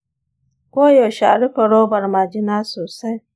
koyaushe a rufe robar majina sosai.